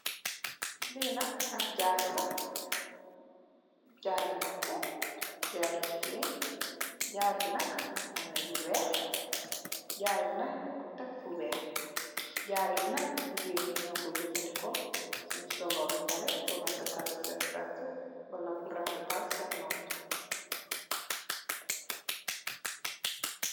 Lee nak ab jaaru la jaaru nopu jaaru jegain jaaru be nak muge ameh lu weex jaaru be nak nugku tek fu weex jaaru be nak jegain ye nukoy jefaneku sun solu ba pareh purr refetal sen sanseh wala purr refetal sen nopu.